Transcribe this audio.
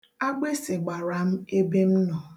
Agbịsị gbara m ebe m nọ.